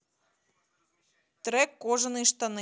трек кожаные штаны